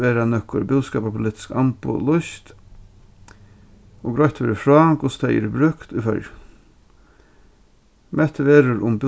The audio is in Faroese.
verða nøkur búskaparpolitisk amboð lýst og greitt verður frá hvussu tey eru brúkt í føroyum mett verður um